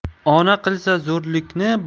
ona qilsa zo'rlikni